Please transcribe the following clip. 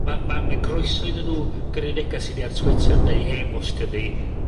Ma' ma' mae groeso iddyn nw gyrru negas i ni ar Twitter neu e-bostio ni